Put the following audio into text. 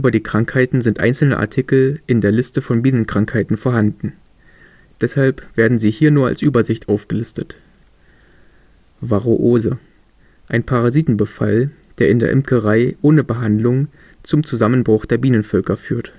die Krankheiten sind einzelne Artikel in der Liste von Bienenkrankheiten vorhanden. Deshalb werden sie hier nur als Übersicht aufgelistet: Varroose – ein Parasitenbefall, der in der Imkerei ohne Behandlung zum Zusammenbruch der Bienenvölker führt